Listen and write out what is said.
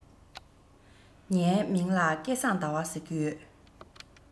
ངའི མིང ལ སྐལ བཟང ཟླ བ ཟེར གྱི ཡོད